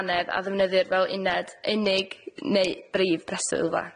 annedd a ddefnyddir fel uned unig neu brif breswylfa.